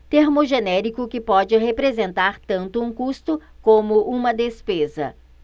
termo genérico que pode representar tanto um custo como uma despesa